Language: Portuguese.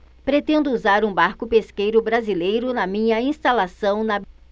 pretendo usar um barco pesqueiro brasileiro na minha instalação na bienal